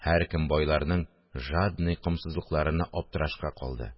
Һәркем байларның жадный-комсызлыкларына аптырашка калды